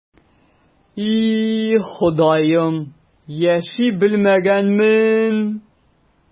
И, Ходаем, яши белмәгәнмен...